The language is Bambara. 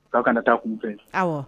K'a kana taa a kun fɛ. Awɔ.